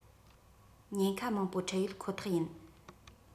ཉེན ཁ མང པོ འཕྲད ཡོད ཁོ ཐག ཡིན